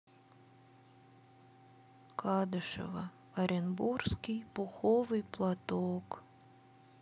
кадышева оренбургский пуховый платок